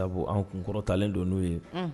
Sabu an kun kɔrɔtalen don n'o ye